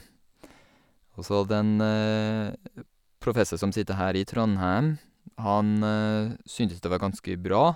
Og så den professor som sitter her i Trondheim, han syntes det var ganske bra.